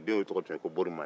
den o tɔgɔ tun ye bori banden